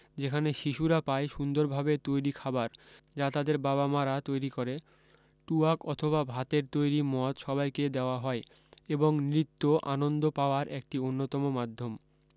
যেখানে শিশুরা পায় সুন্দরভাবে তৈরী খাবার যা তাদের বাবা মারা তৈরী করে টুয়াক অথবা ভাতের তৈরী মদ সবাইকে দেওয়া হয় এবং নৃত্য আনন্দ পাওয়ার একটি অন্যতম মাধ্যম